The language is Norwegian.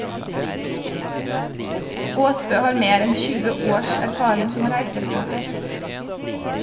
Aasbø har mer enn 20 års erfaring som reisereporter.